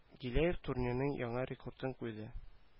Гилаев турнирның яңа рекордын куйды